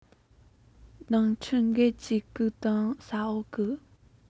ནང ཁྲིམས འགལ གྱིས གི དང ས འོག གི